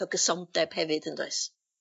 o gysondeb hefyd yndoes?